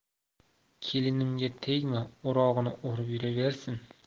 kelinimga tegma o'rog'ini o'rib yuraversin